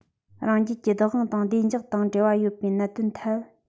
རང རྒྱལ གྱི བདག དབང དང བདེ འཇགས དང འབྲེལ བ ཡོད པའི གནད དོན ཐད